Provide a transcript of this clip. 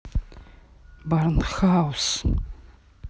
барн хаус